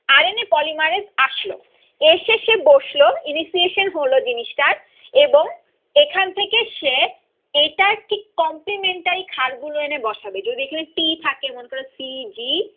R N A polymerase আসল এসে সে বসল ইনিসিয়েশন হল জিনিস টার এবং এখান থেকে সে এটার ঠিক কমপ্লিমেন্টারি ক্ষার গুলো এনে বসাবে যদি এখানে টি থাকে মনে কর সি জি